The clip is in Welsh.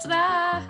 Tara.